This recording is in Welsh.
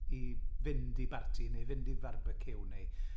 I fynd i barti neu fynd i farbeciw neu …